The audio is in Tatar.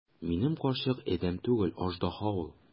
Минем карчык адәм түгел, аждаһа ул!